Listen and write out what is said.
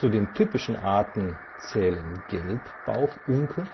den typischen Arten zählen Gelbbauchunke